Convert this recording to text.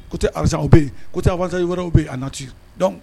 Ko te alazsa bɛ yen ko tɛfasaali wɛrɛw bɛ a na ci